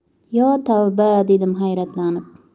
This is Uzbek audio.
yo tavba dedim hayratlanib